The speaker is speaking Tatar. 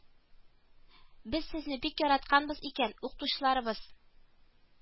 Без Сезне бик яратканбыз икән, Укытучыларыбыз